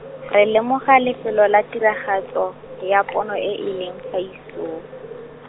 re lemoga lefelo la tiragatso, ya pono e e leng fa isong.